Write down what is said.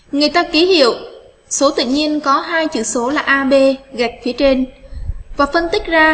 người ta ký hiệu số tự nhiên có hai chữ số là a b gạch phía trên và phân tích ra